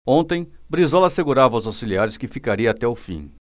ontem brizola assegurava aos auxiliares que ficaria até o fim